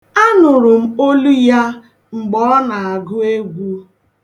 Anụrụ m olu ya mgbe ọ na-agụ egwu.